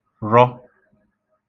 -rọ